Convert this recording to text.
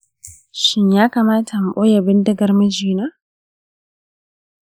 shin ya kamata in boye bindigar mijina?